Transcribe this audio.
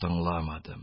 Тыңламадым,